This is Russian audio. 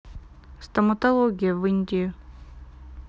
стоматология в индии